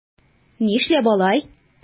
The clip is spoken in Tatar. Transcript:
Нишләп алай?